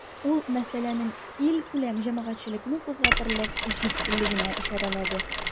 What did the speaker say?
Ул мәсьәләнең илкүләм җәмәгатьчелекне кузгатырлык җитдилегенә ишарәләде.